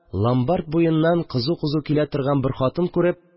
Ломбард буеннан кызу-кызу килә торган бер хатын күреп